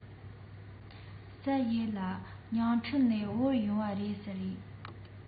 ཟེར ཡས ལ ཉིང ཁྲི ནས དབོར ཡོང བ རེད ཟེར གྱིས